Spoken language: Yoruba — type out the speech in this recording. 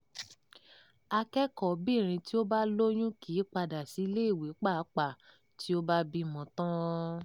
Akẹ́kọ̀ọ́bìnrin tí ó bá lóyún kì í padà sí ilé ìwé pàápàá tí ó bá bímọ tán.